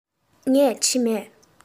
ངས བྲིས མེད